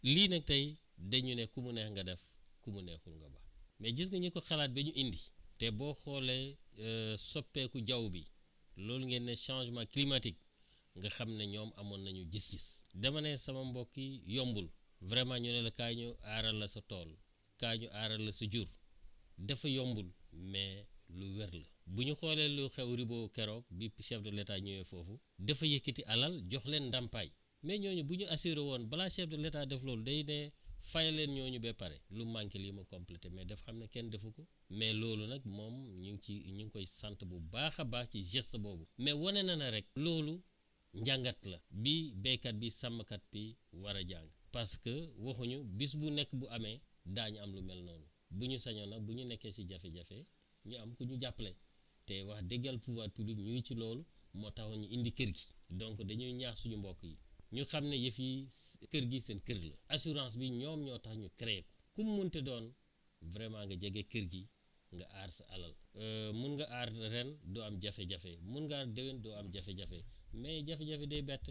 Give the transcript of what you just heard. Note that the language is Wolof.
lii nag tey dañu ne ku mu neex nga def ku mu neexul nga ba mais gis nga ñi ko xalaat ba ñu indi te boo xoolee soppeeku jaww bi loolu ngeen ne changement climatique nga xam ne ñoom am nañu gis-gis dama ne sama mbokku yi yombul vraiment ñu ne la kaay ñu aaral la sa tool kaay ñu aaral la sa jur dafa yombul mais lu wér la bu ñu xoolee lu xew Ribo keroog bi chef de l' état ñëwee foofu dafa yëkkati alal jox leen ndàmpaay mais ñooñu bu ñu assurer woon balaa chef de l' état def loolu day ne fay leen ñooñu ba pare lu manqué li ma compléter mais dafa xam ne kenn defu ko mais loolu nag moom ñu ngi ci ñu ngi koy sant bu baax a baax ci geste boobu mais wane na ne rek loolu njàngat la bi béykat bi sàmmkat bi war a jàng parce waxuñu bis bu nekk bu amee daa~u am lu mel noonu bu ñu sañoon nag bu ñu nekkee si jafe-jafe ñu am ku ñu jàppale te wax dëgg yàlla pouvoir bi public mu ngi si loolu moo taxoon énu indi kër gi donc dañuy ñaax suñu mbokk yi ñu xam ne yëf yi kër gi seen kër la assurance bi ñoom ñoo tax ñu créé ko kum munti doon vraiment nga jege kër gi nga aar sa alal mun nga aar ren doo am jafe-jafe mu nga déwén doo am jafe-jafe mais jafe-jafe day bette